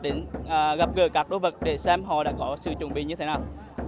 đến à gặp gỡ các đô vật để xem họ đã có sự chuẩn bị như thế nào